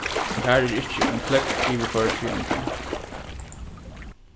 og har er ikki ein klógv yvirkoyrd síðani tá